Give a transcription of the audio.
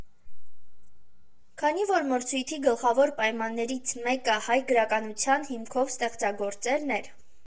Քանի որ մրցույթի գլխավոր պայմաններից մեկը հայ գրականության հիմքով ստեղծագործելն էր։